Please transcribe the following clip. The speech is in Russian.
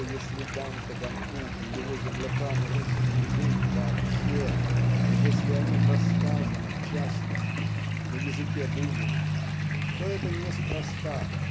что если дан Таганку и его землякам русский язык вообще и если о них рассказано в частности на языке Бунина то это неспроста